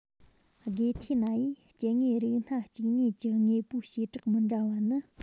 དགེ ཐེ ན ཡིས སྐྱེ དངོས རིགས སྣ གཅིག གཉིས ཀྱི དངོས པོའི བྱེ བྲག མི འདྲ བ ནི